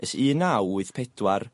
es un naw wyth pedwar